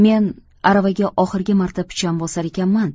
men aravaga oxirgi marta pichan bosar ekanman